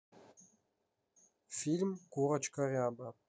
фильм курочка ряба